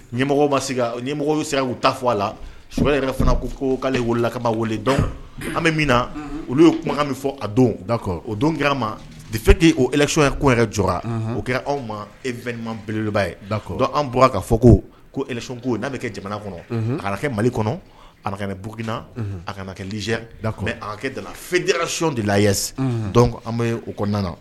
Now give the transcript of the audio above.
Ɲɛmɔgɔ ma s ɲɛmɔgɔ sera u taa fɔ a la sokɛ yɛrɛ fana ko ko k'ale wolola kamama wele dɔn an bɛ min na olu ye kumakan min fɔ a don da o don kɛra ma defe tɛ o econ ye ko yɛrɛ jɔra o kɛra anw ma emanbeleliba ye da bɔra ka fɔ ko koko n'a bɛ kɛ jamana kɔnɔ a kɛ mali kɔnɔ a bkina a kana kɛ li da da la fyon de lase an bɛ u kɔnɔna